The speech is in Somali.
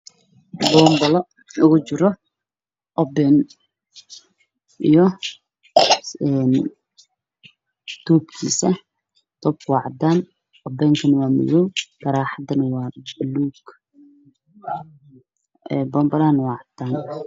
Waa boonbalo waxaa kujiro obin iyo toobkiisa oo cadaan ah, obinka waa madow, taraaxadu waa buluug, boonbaluhu waa cadaan.